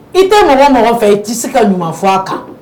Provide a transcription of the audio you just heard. I tɛ mɔgɔ o mɔgɔ fɛ i tɛ ka ɲuman fɔ a kan